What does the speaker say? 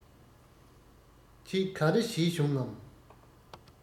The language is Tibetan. ཁྱེད ག རེད བྱས བྱུང ངམ